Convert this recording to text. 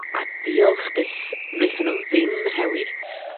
A diolch byth wnaethon nhw ddim rhewi.